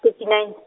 thirty nine .